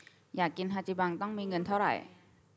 อยากกินฮาจิบังต้องมีเงินเท่าไร